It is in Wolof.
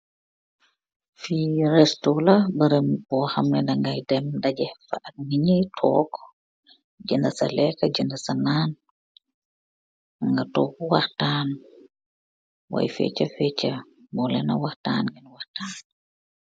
Fi restu la barrem bo xaam neh dagaay dem dageh faa nitt yi toog jenda sah leka jenda sah naan nga toog wahtan boi fetcha fetcha bolen di wahtan ngen wahtan.